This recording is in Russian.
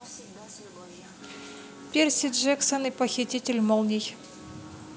перси джексон и похититель молний